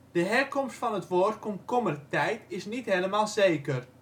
De herkomst van woord komkommertijd is niet helemaal zeker